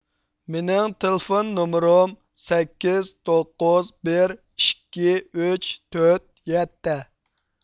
مېنىڭ تېلېفون نومۇرۇم سەككىز توققۇز بىر ئىككى ئۈچ تۆت يەتتە